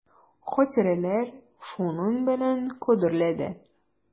Хатирәләр шуның белән кадерле дә.